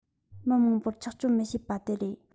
མི མང པོར ཆགས སྤྱོད མི བྱེད པ དེ རེད